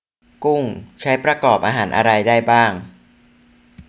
กุ้งใช้ประกอบอาหารอะไรได้บ้าง